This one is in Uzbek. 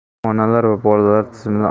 onalar va bolalar tizimli